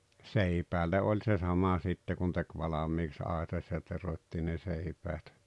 seipäälle oli se sama sitten kun teki valmiiksi aitasi ja teroitti ne seipäät